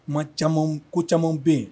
Kuma caman ko caman bɛ yen